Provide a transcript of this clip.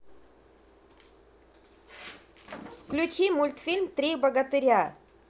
включи мультфильм три богатыря